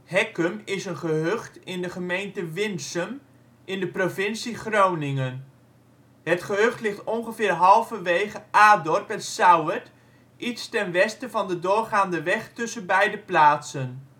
Hekkum is een gehucht in de gemeente Winsum in de provincie Groningen. Het gehucht ligt ongeveer halverwege Adorp en Sauwerd iets ten westen van de doorgaande weg tussen beide plaatsen